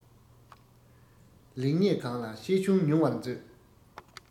ལེགས ཉེས གང ལ བཤད གཞུང ཉུང བར མཛོད